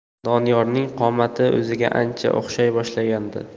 doniyorning qomati o'ziga ancha o'xshay boshlagandi